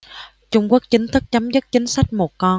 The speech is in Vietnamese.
trung quốc chính thức chấm dứt chính sách một con